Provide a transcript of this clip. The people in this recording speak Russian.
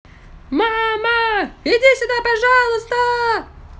мама иди сюда пожалуйста